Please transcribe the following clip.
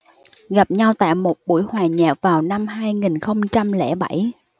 gặp nhau tại một buổi hòa nhạc vào năm hai nghìn không trăm lẻ bảy